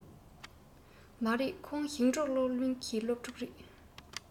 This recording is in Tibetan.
མ རེད ཁོང ཞིང འབྲོག སློབ གླིང གི སློབ ཕྲུག རེད